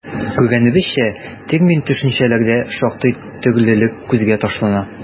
Күргәнебезчә, термин-төшенчәләрдә шактый төрлелек күзгә ташлана.